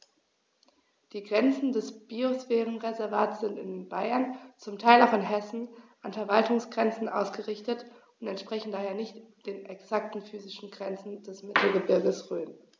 Die Grenzen des Biosphärenreservates sind in Bayern, zum Teil auch in Hessen, an Verwaltungsgrenzen ausgerichtet und entsprechen daher nicht exakten physischen Grenzen des Mittelgebirges Rhön.